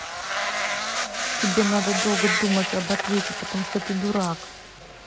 тебе надо долго думать об ответе потому что ты дурак